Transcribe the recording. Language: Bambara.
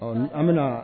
Ɔ an bɛna